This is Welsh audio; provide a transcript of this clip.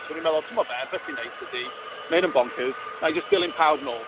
So o'n i'n meddwl, wel timod be, be sy'n neis ydy, ma' hyn yn boncyrs, wna i jyst dilyn pawb nôl.